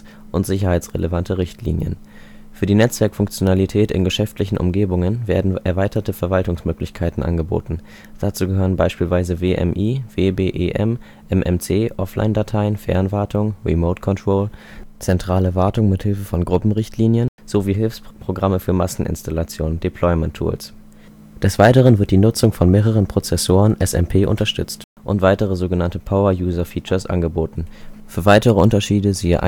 sicherheitsrelevante Richtlinien. Für die Netzwerkfunktionalität in geschäftlichen Umgebungen werden erweiterte Verwaltungsmöglichkeiten angeboten. Dazu gehören beispielsweise WMI, WBEM, MMC, Offlinedateien, Fernwartung (Remote Control), zentrale Wartung mit Hilfe von Gruppenrichtlinien sowie Hilfsprogramme für die Masseninstallation (Deployment-Tools). Des Weiteren wird die Nutzung von mehreren Prozessoren (SMP) unterstützt und weitere sogenannte Power-User Features angeboten. Für weitere Unterschiede siehe